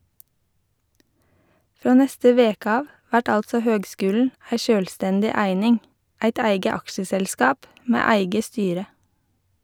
Frå neste veke av vert altså høgskulen ei sjølvstendig eining, eit eige aksjeselskap med eige styre.